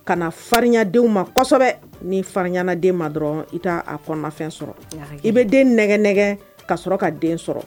Ka na faririnyadenw ma kosɛbɛ ni farinyaana den ma dɔrɔn i a kɔnɔfɛn sɔrɔ i bɛ den nɛgɛ nɛgɛ ka sɔrɔ ka den sɔrɔ